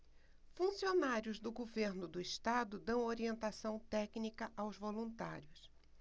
funcionários do governo do estado dão orientação técnica aos voluntários